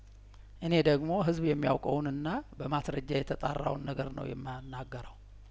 እኔ ደግሞ ህዝብ የሚያውቀውንና በማስረጃ የተጣራውን ነገር ነው የማና ገረው